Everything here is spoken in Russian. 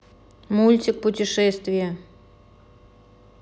мультик путешествие